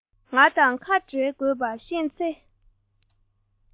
ང དང ཁ འབྲལ དགོས པ ཤེས ཚེ